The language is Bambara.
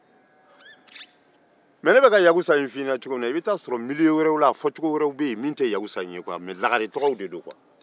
i bɛ t'a sɔrɔ yɔrɔ wɛrɛw la a fɔcogo tɛ nin mɛ lagare don